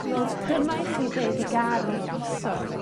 Wel dyma i chi be' 'di gardd rhosod.